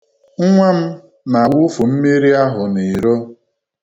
Nnwa m na-awufu mmiri ahụ n'iro.